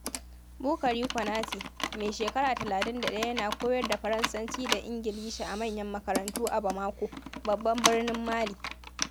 Bourkary Konaté, mai shekara 31 yana koyar da Faransanci da Ingilishi a manyan makarantu a Bamako, babban birnin Mali.